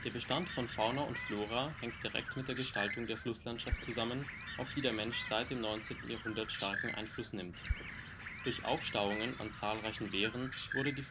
Bestand von Fauna und Flora hängt direkt mit der Gestaltung der Flusslandschaft zusammen, auf die der Mensch seit dem 19. Jahrhundert starken Einfluss nimmt. Durch Aufstauungen an zahlreichen Wehren wurde die